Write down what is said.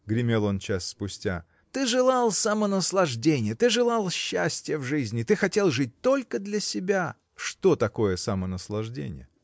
-- гремел он час спустя, -- ты желал самонаслажденья, ты желал счастья в жизни, ты хотел жить только для себя. -- Что такое самонаслажденье?